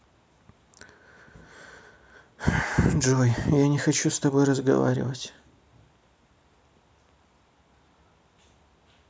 джой я не хочу с тобой разговаривать